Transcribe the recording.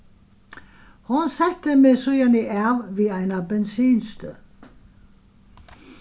hon setti meg síðani av við eina bensinstøð